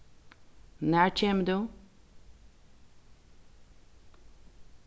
nær kemur tú